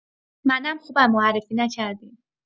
منم خوبم معرفی نکردین